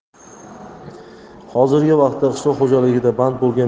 hozirgi vaqtda qishloq xo'jaligida band bo'lgan